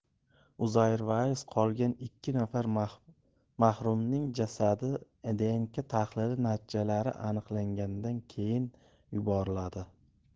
uzairways qolgan ikki nafar marhumning jasadi dnk tahlili natijalari aniqlangandan keyin yuboriladi